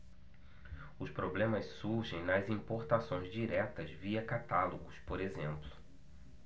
os problemas surgem nas importações diretas via catálogos por exemplo